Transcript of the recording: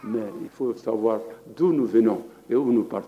Mɛ fo sawa du'u fɛ y'uo pa